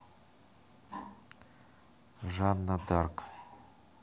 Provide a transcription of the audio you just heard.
жанна дарк